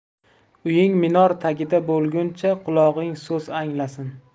uying minor tagida bo'lguncha qulog'ing so'z anglasin